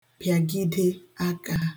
bịagide akā